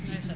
ndeysaan